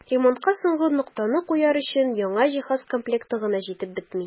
Ремонтка соңгы ноктаны куяр өчен яңа җиһаз комплекты гына җитеп бетми.